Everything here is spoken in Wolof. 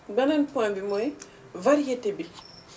beneen point bi mooy variété bi